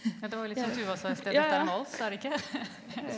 ja det var litt som Tuva sa i sted dette er en vals er det ikke?